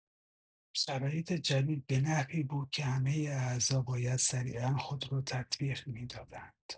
شرایط جدید به نحوی بود که همه اعضا باید سریعا خود را تطبیق می‌دادند.